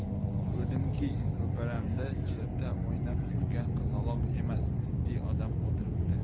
ko'rdimki ro'paramda cherta o'ynab yurgan qizaloq emas jiddiy odam o'tiribdi